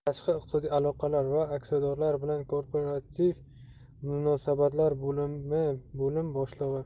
tashqi iqtisodiy aloqalar va aksiyadorlar bilan korporativ munosabatlar bo'limi bo'lim boshlig'i